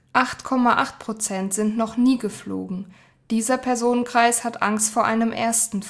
8,8 % sind noch nie geflogen; dieser Personenkreis hat Angst vor einem ersten